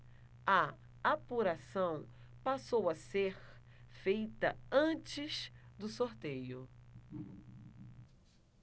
a apuração passou a ser feita antes do sorteio